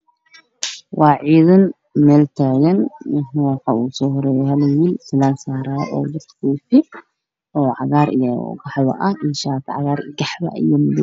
Waa waa cidan meel taagan mida ka usoo horeyo salan sarayo